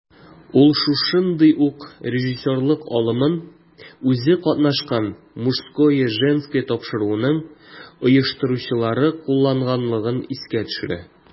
Ул шушындый ук режиссерлык алымын үзе катнашкан "Мужское/Женское" тапшыруының оештыручылары кулланганлыгын искә төшерә.